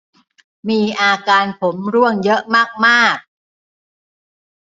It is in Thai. มีอาการผมร่วงเยอะมากมาก